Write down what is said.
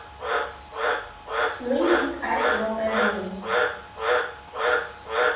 Նույնիսկ այս րոպեներին։